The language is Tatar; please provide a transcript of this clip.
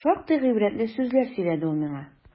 Шактый гыйбрәтле сүзләр сөйләде ул миңа.